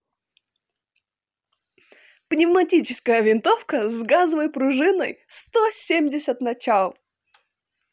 пневматическая винтовка с газовой пружиной сто семьдесят начал